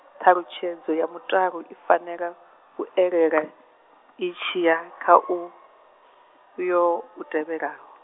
ṱhalutshedzo ya mutalo i fanela u elela, itshi ya kha uyo, u tevhelaho.